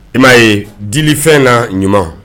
I maa ye dilifɛn na ɲuman